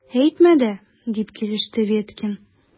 Әйтмә дә! - дип килеште Веткин.